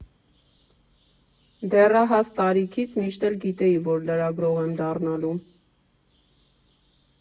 ֊Դեռահաս տարիքից միշտ էլ գիտեի, որ լրագրող եմ դառնալու։